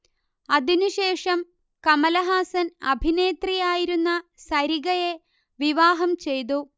അതിനുശേഷം കമലഹാസൻ അഭിനേത്രി ആയിരുന്ന സരികയെ വിവാഹം ചെയ്തു